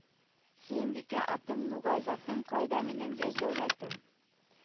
Сөембикә атым, нугай затым, кайда минем яшь дәүләтем,